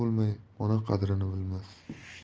ona bo'lmay ona qadrini bilmas